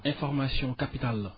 information capitale la